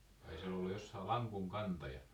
ai se oli ollut jossakin lankunkantajana